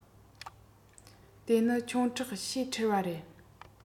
དེ ནི ཆུང དྲགས ཞེ ཁྲེལ བ རེད